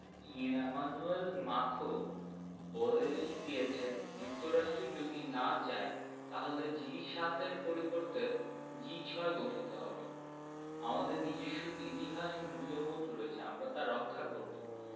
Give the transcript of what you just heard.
Emmanuel Macron বলেই দিয়েছেন যুক্তরাষ্ট্র যদি না চায় তাহলে জি ৭ এর পরিবর্তে জি ৬ গঠিত হবে আমাদের নিজস্ব ইতিহাস মূল্যবোধ রয়েছে আমরাই তা রক্ষা করব